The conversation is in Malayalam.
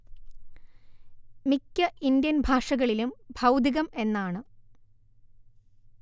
മിക്ക ഇന്ത്യൻ ഭാഷകളിലും ഭൗതികം എന്നാണ്